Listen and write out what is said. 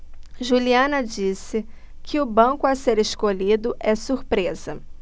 juliana disse que o banco a ser escolhido é surpresa